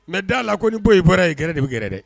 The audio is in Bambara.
Mɛ da la ko ni bɔ' bɔra yeɛrɛ de gɛrɛ dɛ